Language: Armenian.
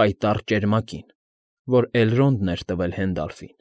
կայտառ ճերմակին, որ Էլրոնդն էր տվել Հենդալֆին։